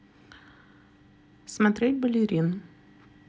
смотреть балерин